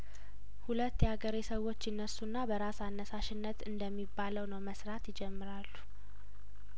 ሁለት የአገሬ ሰዎች ይነሱና በራስ አነሳሽነት እንደሚባለው ነው መስራት ይጀምራሉ